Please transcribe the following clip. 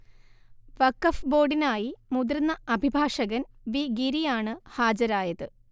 വഖഫ് ബോർഡിനായി മുതിർന്ന അഭിഭാഷകൻ വി ഗിരിയാണ് ഹാജരായത്